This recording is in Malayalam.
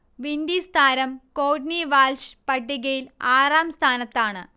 വിൻഡീസ് താരം കോട്നി വാൽഷ് പട്ടികയിൽ ആറാം സ്ഥാനത്താണ്